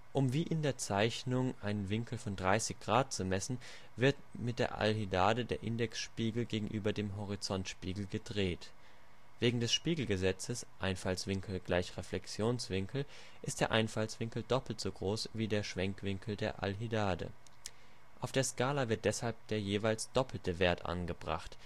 Um wie in der Zeichnung einen Winkel von 30 Grad zu messen, wird mit der Alhidade der Indexspiegel gegenüber dem Horizontspiegel gedreht. Wegen des Spiegelgesetzes Einfallswinkel = Reflexionswinkel ist der Einfallswinkel doppelt so groß wie der Schwenkwinkel der Alhidade. Auf der Skala wird deshalb der jeweils doppelte Wert angebracht